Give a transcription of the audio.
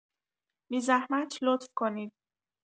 بی‌زحمت لطف کنید